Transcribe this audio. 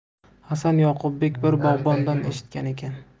hasan yoqubbek bir bog'bondan eshitgan ekan